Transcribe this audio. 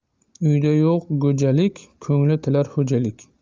uyida yo'q go'jalik ko'ngli tilar xo'jalik